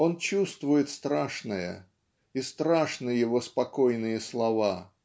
он чувствует страшное, и страшны его спокойные слова